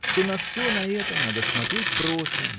что на все на это надо смотреть просто